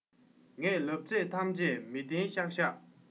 ངས ལབ ཚད ཐམས ཅད མི བདེན པ ཤག ཤག